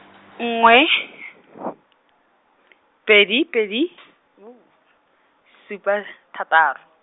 nngwe , pedi pedi , supa, thataro.